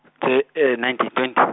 tse ninety twenty.